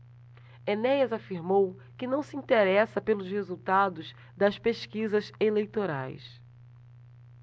enéas afirmou que não se interessa pelos resultados das pesquisas eleitorais